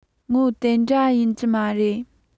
ངོ མ དེ འདྲ ཡིན གྱི མ རེད